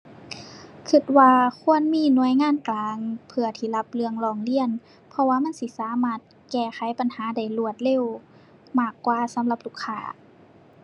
คิดว่าควรมีหน่วยงานกลางเพื่อที่รับเรื่องร้องเรียน เพราะว่ามันสิสามารถแก้ไขปัญหาได้รวดเร็วมากกว่าสำหรับลูกค้า